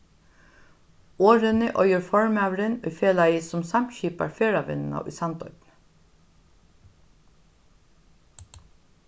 orðini eigur formaðurin í felagi sum samskipar ferðavinnuna í sandoynni